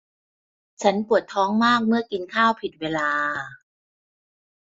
ฉันปวดท้องมากเมื่อกินข้าวผิดเวลา